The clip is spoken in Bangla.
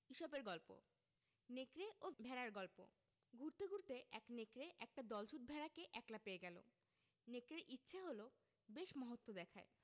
ইসপের গল্প নেকড়ে ও ভেড়ার গল্প ঘুরতে ঘুরতে এক নেকড়ে একটা দলছুট ভেড়াকে একলা পেয়ে গেল নেকড়ের ইচ্ছে হল বেশ মহত্ব দেখায়